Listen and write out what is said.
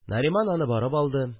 Нариман аны барып алды